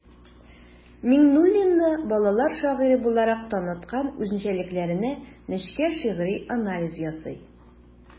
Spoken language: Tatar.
Миңнуллинны балалар шагыйре буларак таныткан үзенчәлекләренә нечкә шигъри анализ ясый.